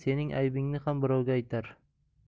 sening aybingni ham birovga aytar